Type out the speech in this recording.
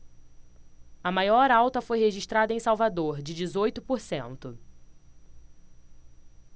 a maior alta foi registrada em salvador de dezoito por cento